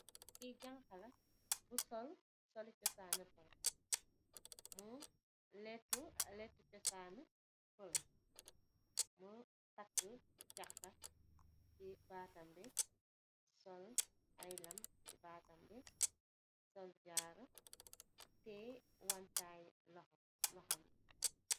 Kii janxa la, bu ngi sol sol i cosaan, mu neekë cosaanu pël. Mu takkë caxxë si baatam bi, sol ay lam ci baatam bi, sol jaaru, tiyee wantaay ci loxoom.